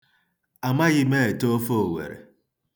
Amaghị m ete ofe owere.